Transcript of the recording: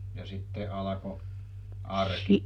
ja sitten alkoi arki